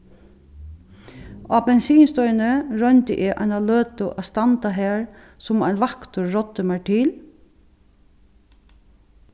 á bensinstøðini royndi eg eina løtu at standa har sum ein vaktur ráddi mær til